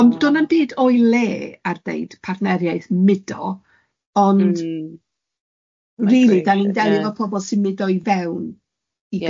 Ond do'nam byd o'i le ar deud partneriaeth mudo, ond... Mm. ...rili, da ni'n delio efo pobl sy'n mudo fewn i Gymru.